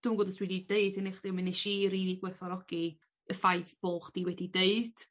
dw'm gwbod os dwi 'di deud hyn i chdi mi nesh i rili gwerthfawrogi y ffaith bo' chdi wedi deud